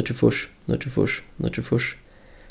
níggjuogfýrs níggjuogfýrs níggjuogfýrs